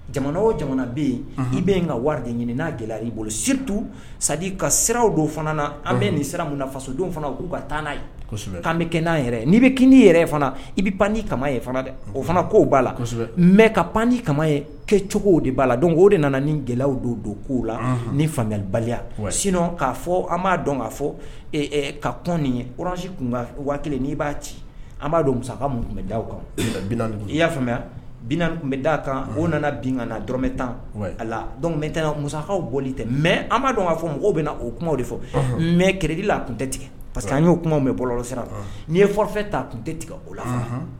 Jamana o jamana bɛ yen i bɛ ka wari de ɲini n'a gɛlɛya i bolo situ sa ka siraw don fana na an bɛ nin sira mun fasodenw fana k'u ka taa n'a ye an bɛ kɛ n'an yɛrɛ n'i bɛ k' yɛrɛ fana i bɛ pan ni ka ye fana dɛ o fana kow b'a la mɛ ka pan ni ka ye kɛcogo de b'a la o de nana ni gɛlɛyalaww don don' la ni fanlibaliya sin k'a fɔ an b'a dɔn kaa fɔ ka kɔnsi tun waati kelen n'i b'a ci an b'a dɔn mu tun bɛ da kan i y'a faamuya tun bɛ d da kan o nana bin dɔrɔmɛ tan a la bɛ taa mukaw bɔli tɛ mɛ b' dɔn kaa fɔ mɔgɔw bɛ na o kuma de fɔ mɛ kɛlɛdila a tun tɛ tigɛ pa que an y'ow bɛ bɔlɔ siran ni'i ye fɔlɔfɛ ta tun tɛ tigɛ o la